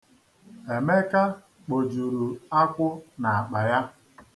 Emeka kpojuru akwụ n'akpa ya.